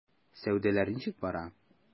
Сәүдәләр ничек бара?